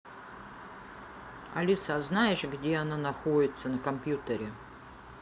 алиса а знаешь где она находится на компьютере